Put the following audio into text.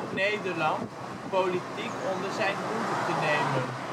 Nederland) politiek onder zijn hoede te nemen